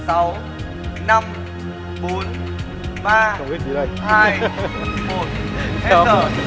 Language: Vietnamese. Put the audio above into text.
sáu năm bốn ba hai một hết giờ